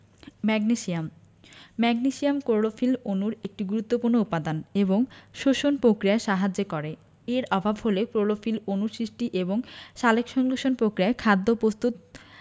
magnesium magnesium chlorophyll অণুর একটি গুরুত্বপুর্ণ উপাদান এবং শ্বসন প্রক্রিয়ায় সাহায্য করে এর অভাব হলে ক্লোরোফিল অণু সৃষ্টি এবং সালোকসংশ্লেষণ প্রক্রিয়ায় খাদ্য প্রস্তুত